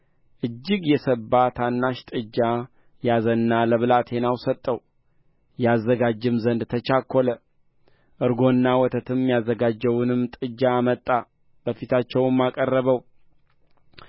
እጅግ የሰባም ታናሽ ጥጃ ያዘና ለብላቴናው ሰጠው ያዘጋጅም ዘንድ ተቻኰለ እርጎና ወተትም ያዘጋጀውንም ጥጃ አመጣ በፊታቸውም አቀረበው